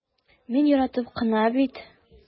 Мин яратып кына бит...